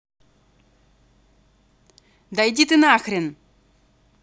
да иди ты нахрен